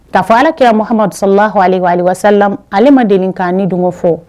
K kafa ale kɛmadu salah ale ale maden ka ni don fɔ